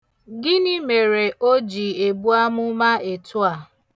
Gịnị mere o ji ebu amụma etu a?